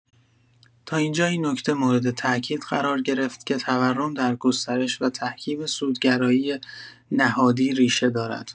تا این‌جا این نکته مورد تاکید قرار گرفت که تورم در گسترش و تحکیم سودگرایی نهادی ریشه دارد.